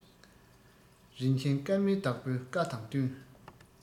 རིན ཆེན སྐར མའི བདག པོའི བཀའ དང བསྟུན